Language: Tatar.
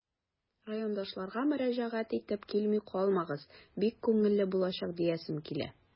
Райондашларга мөрәҗәгать итеп, килми калмагыз, бик күңелле булачак диясем килә.